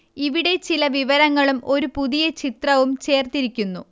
ഇവിടെ ചില വിവരങ്ങളും ഒരു പുതിയ ചിത്രവും ചേർത്തിരിക്കുന്നു